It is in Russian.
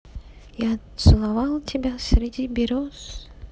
я целовал тебя среди берез